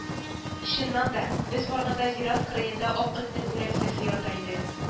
Чыннан да, без барганда зират кырыенда ак этнең үләксәсе ята иде